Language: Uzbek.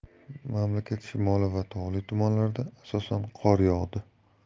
mamlakat shimoli va tog'li tumanlarda asosan qor yog'di